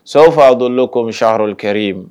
Safa'a dɔlen ko misirlikri ye